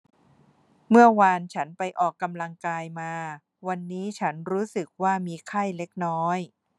เมื่อวานฉันไปออกกำลังกายมาวันนี้ฉันรู้สึกว่ามีไข้เล็กน้อย